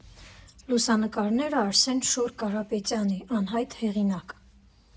Լուսանկարները՝ Արսեն Շուռ Կարապետյանի, Անհայտ հեղինակ։